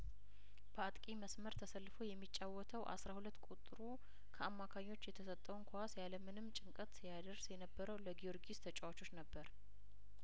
በአጥቂ መስመር ተሰልፎ የሚጫወተው አስራ ሁለት ቁጥሩ ከአማካዮች የተሰጠውን ኳስ ያለምንም ጭንቀት ያደርስ የነበረው ለጊዮርጊስ ተጫዋቾች ነበር